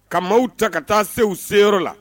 Ka maaw ta ka ta se u seyɔrɔ la